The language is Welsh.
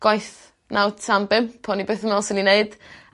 gwaith naw tan bump o'n i byth yn meddwl swn i'n neud.